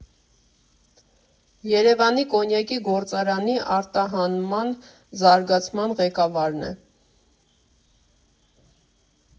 Երևանի կոնյակի գործարանի արտահանման զարգացման ղեկավարն է։